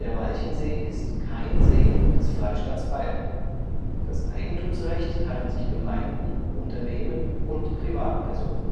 Walchensee ist kein See des Freistaats Bayern. Das Eigentumsrecht teilen sich Gemeinden, Unternehmen und Privatpersonen